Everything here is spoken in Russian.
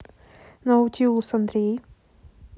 наутилус андрей